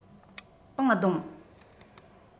པང བརྡུང